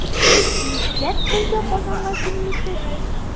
Нишләп бер дә Казанга килмисез?